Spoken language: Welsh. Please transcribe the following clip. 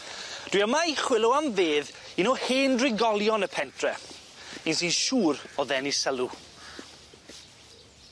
Dwi yma i chwilo am fedd un o hen drigolion y pentre un sy'n siŵr o ddenu sylw.